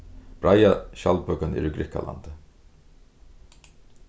breiða skjaldbøkan er í grikkalandi